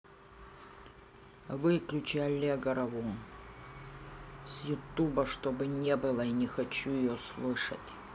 выключи аллегрову с youtube чтобы не было я не хочу ее слышать